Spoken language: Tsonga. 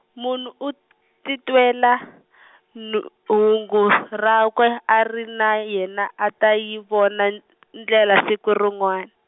munhu u t- , titwela, nu- hungu rakwe a ri na yena a ta yi vona n- ndlela siku rin'wana.